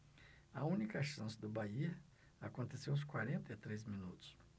a única chance do bahia aconteceu aos quarenta e três minutos